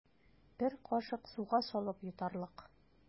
Бер кашык суга салып йотарлык.